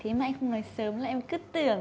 thế mà anh không nói sớm làm em cứ tưởng